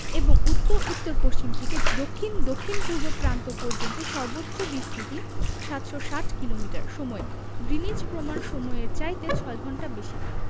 এবং উত্তর উত্তরপশ্চিম থেকে দক্ষিণ দক্ষিণপূর্ব প্রান্ত পর্যন্ত সর্বোচ্চ বিস্তৃতি ৭৬০ কিলোমিটার সময়ঃ গ্রীনিচ প্রমাণ সমইয়ের চাইতে ৬ ঘন্টা বেশি